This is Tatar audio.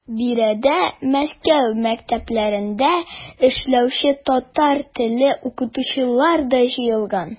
Биредә Мәскәү мәктәпләрендә эшләүче татар телле укытучылар да җыелган.